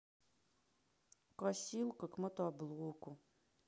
косилка к мотоблоку